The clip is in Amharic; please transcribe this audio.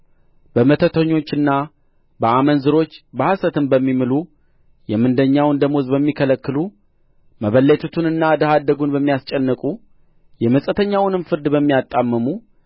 በመተተኞችና በአመንዝሮች በሐሰትም በሚምሉ የምንደኛውን ደመወዝ በሚከለክሉ መበለቲቱንና ድሀ አደጉን በሚያስጨንቁ የመጻተኛውንም ፍርድ በሚያጣምሙ